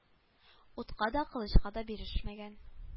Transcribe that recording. Утка да кылычка да бирешмәгән